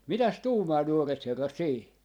mitäs tuumaa nuoret herrat siihen